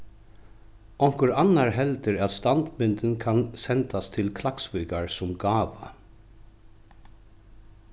onkur annar heldur at standmyndin kann sendast til klaksvíkar sum gáva